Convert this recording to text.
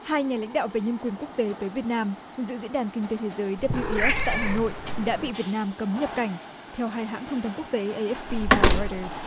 hai nhà lãnh đạo về nhân quyền quốc tế tới việt nam dự diễn đàn kinh tế thế giới đáp lưu i ép tại hà nội đã bị việt nam cấm nhập cảnh theo hai hãng thông tấn quốc tế ây ép pi và roi đờ